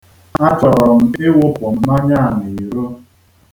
Achọrọ m ịwụpu mmanya a n'iro.